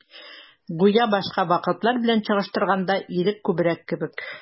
Гүя башка вакытлар белән чагыштырганда, ирек күбрәк кебек.